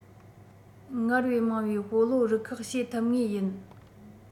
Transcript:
སྔར བས མང པའི སྤོ ལོ རུ ཁག བྱེད ཐུབ ངེས ཡིན